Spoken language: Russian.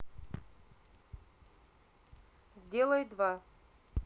сделай два